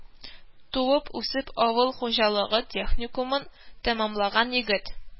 Туып үсеп, авыл хуҗалыгы техникумын тәмамлаган егет